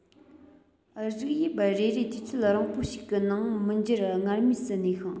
རིགས དབྱིབས རེ རེ དུས ཚོད རིང པོ ཞིག གི ནང མི འགྱུར སྔར མུས སུ གནས ཤིང